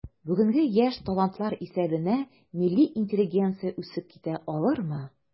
Бүгенге яшь талантлар исәбенә милли интеллигенция үсеп китә алырмы?